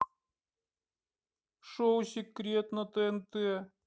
шоу секрет на тнт